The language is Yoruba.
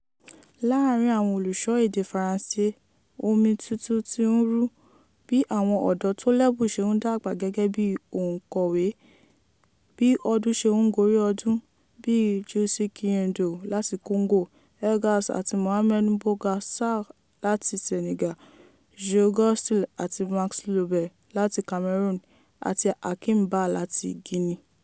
Láàárín àwọn olùsọ èdè Faransé, omi tuntun ti ń rú, bí àwọn ọ̀dọ́ tó lẹ́bùn ṣe ń dàgbà gẹ́gẹ́ bíi òǹkọ̀wé bí ọdún ṣe ń gorí ọdún, bíi Jussy Kiyindou láti Congo, Elgas àti Mohamed Mbougar Sarr láti Sénégal, Jo Güstin àti Max Lobé láti Cameroon, àti Hakim Bah láti Guinea.